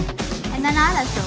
em đã nói là